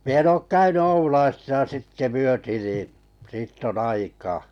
minä en ole käynyt Oulaisissa sitten myöten niin siitä on aikaa